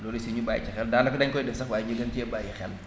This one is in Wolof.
loolu aussi ñu bàyyi ci xel daanaka dañ koy def sax waaye ñu gën cee bàyyi xel